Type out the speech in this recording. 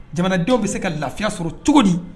Jamanadenw bɛ se ka lafiya sɔrɔ cogo di